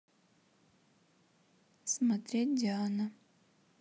смотреть диана